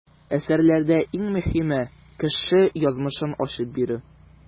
Әсәрләрдә иң мөһиме - кеше язмышын ачып бирү.